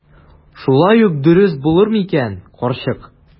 Шулай ук дөрес булыр микән, карчык?